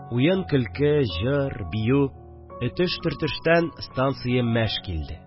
Уен-көлке, җыр, бию, этеш-төртештән станция мәш килде